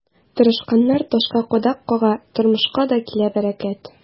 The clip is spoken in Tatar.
Тырышканнар ташка кадак кага, тормышка да килә бәрәкәт.